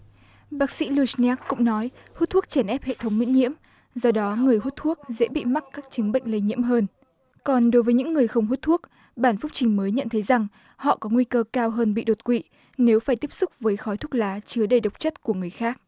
bác sĩ nu nhắc cũng nói hút thuốc chèn ép hệ thống miễn nhiễm do đó người hút thuốc dễ bị mắc các chứng bệnh lây nhiễm hơn còn đối với những người không hút thuốc bản phúc trình mới nhận thấy rằng họ có nguy cơ cao hơn bị đột quỵ nếu phải tiếp xúc với khói thuốc lá chứa đầy độc chất của người khác